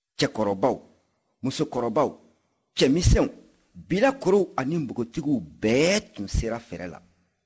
cɛkɔrɔbaw musokɔrɔbaw cɛmisɛnw bilakorow ani npogotigiw bɛɛ tun sera fɛrɛ la